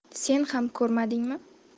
sen ham ko'rmadingmi